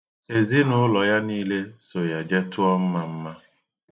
Ezinaụlọ ya niile so ya jee tụọ mmamma.